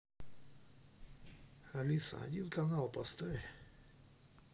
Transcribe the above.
алиса один канал поставь